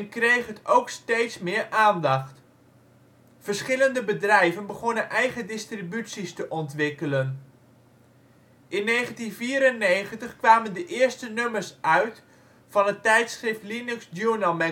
kreeg het ook steeds meer aandacht. Verschillende bedrijven begonnen eigen distributies te ontwikkelen. In 1994 kwamen de eerste nummers uit van het tijdschrift Linux Journal